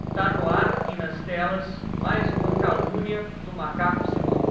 tá no ar e nas telas mais uma calúnia do macaco simão